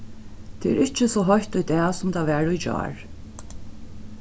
tað er ikki so heitt í dag sum tað var í gjár